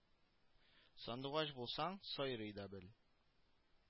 Сандугач булсаң, сайрый да бел